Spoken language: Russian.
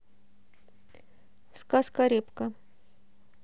сказка репка